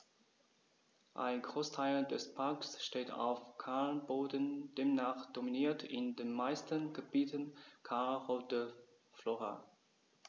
Ein Großteil des Parks steht auf Kalkboden, demnach dominiert in den meisten Gebieten kalkholde Flora.